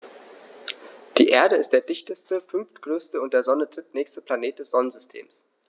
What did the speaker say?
Die Erde ist der dichteste, fünftgrößte und der Sonne drittnächste Planet des Sonnensystems.